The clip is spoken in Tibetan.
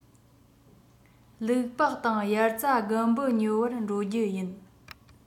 ལུག པགས དང དབྱར རྩྭ དགུན འབུ ཉོ བར འགྲོ རྒྱུ ཡིན